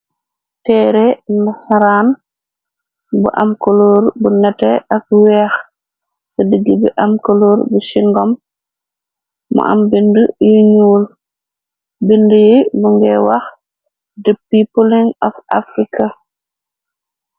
Teere nasaraan bu am koloor bu nete ak weex ca digg bi am koloor bu chingom mu am bind yu ñuul bind yi bu ngiy wax di pepling of africa.